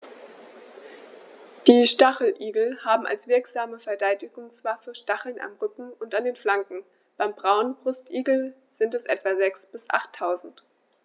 Die Stacheligel haben als wirksame Verteidigungswaffe Stacheln am Rücken und an den Flanken (beim Braunbrustigel sind es etwa sechs- bis achttausend).